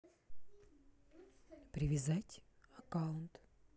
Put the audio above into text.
привязать аккаунт